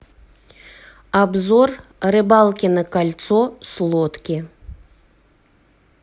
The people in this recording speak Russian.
обзор рыбалки на кольцо с лодки